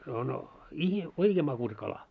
on - oikein makuisa kala